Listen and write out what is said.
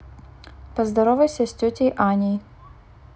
поздоровайся с тетей аней